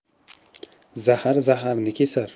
zahar zaharni kesar